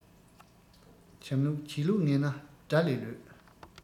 བྱ ལུགས བྱེད ལུགས ངན ན དགྲ ལས ལོད